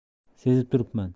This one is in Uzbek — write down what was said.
sezib turibman